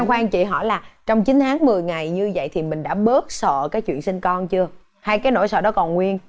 khoan chị hỏi là trong chín tháng mười ngày như dậy thì mình đã bớt sợ cái chuyện sinh con chưa hay cái nổi sợ đó còn nguyên